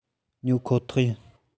ཉོ ཁོ ཐག ཡིན